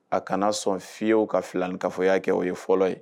A kana sɔn fiye o ka filan k kaa y'a kɛ o ye fɔlɔ ye